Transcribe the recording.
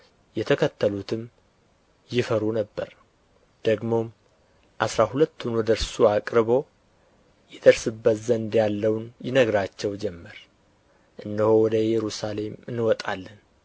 የተከተሉትም ይፈሩ ነበር ደግሞም አሥራ ሁለቱን ወደ እርሱ አቅርቦ ይደርስበት ዘንድ ያለውን ይነግራቸው ጀመር እነሆ ወደ ኢየሩሳሌም እንወጣለን